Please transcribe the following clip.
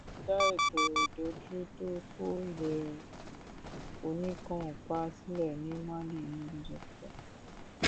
Wọ́n dá ètò ìdójútòfò ìlera oníkànńpá sílẹ̀ ní Mali ní ọdún 2010.